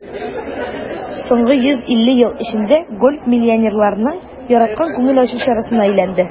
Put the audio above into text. Соңгы 150 ел эчендә гольф миллионерларның яраткан күңел ачу чарасына әйләнде.